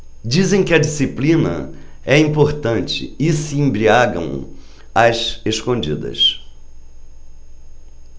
dizem que a disciplina é importante e se embriagam às escondidas